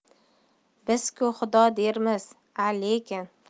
biz ku xudo dermiz a lekin